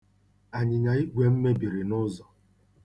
Anyị̀nyà igwè m mebiri n'ụzọ.